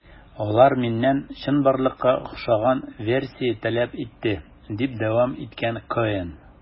Алар миннән чынбарлыкка охшаган версия таләп итте, - дип дәвам иткән Коэн.